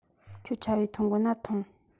ཁྱོད ཆ བོས འཐུང དགོ ན ཐུངས